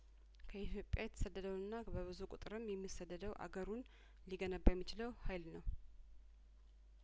ከኢትዮጵያ የተሰደደውና በብዙ ቁጥርም የሚሰደደው አገሩን ሊገነባ የሚችለው ሀይል ነው